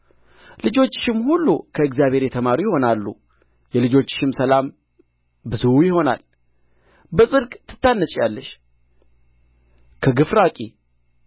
ልጆችሽም ሁሉ ከእግዚአብሔር የተማሩ ይሆናሉ የልጆችሽም ሰላም ብዙ ይሆናል በጽድቅ ትታነጺያለሽ ከግፍ ራቂ